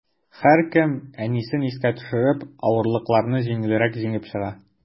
Һәркем, әнисен искә төшереп, авырлыкларны җиңелрәк җиңеп чыга.